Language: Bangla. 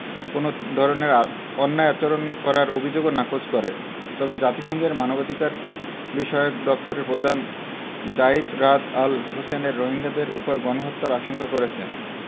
কোনো ধরনের অন্যায় আচরণ করার অভিযোগও নাকচ করে তবে জাতিসংঘের মানবাধিকারবিষয়ক দপ্তরের পধান যায়িদ রাদ আল হোসেইন রোহিঙ্গাদের ওপর গণহত্যার আশঙ্কা করেছেন